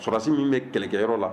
Sɔrɔdasi min bɛ kɛlɛkɛyɔrɔ la